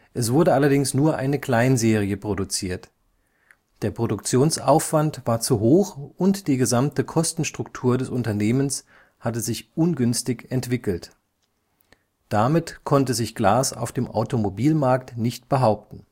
Es wurde allerdings nur eine Kleinserie produziert. Der Produktionsaufwand war zu hoch und die gesamte Kostenstruktur des Unternehmens hatte sich ungünstig entwickelt. Damit konnte sich Glas auf dem Automobilmarkt nicht behaupten